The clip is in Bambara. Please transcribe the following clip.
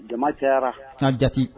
Jama cayara' jate